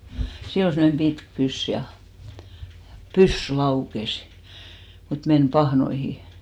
sillä oli semmoinen pitkä pyssy ja pyssy laukesi mutta meni pahnoihin